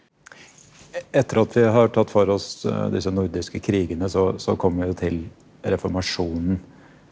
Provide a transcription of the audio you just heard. e etter at vi har tatt for oss disse nordiske krigene så så kommer vi jo til reformasjonen.